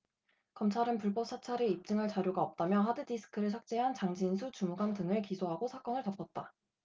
검찰은 불법 사찰을 입증할 자료가 없다며 하드디스크를 삭제한 장진수 주무관 등을 기소하고 사건을 덮었다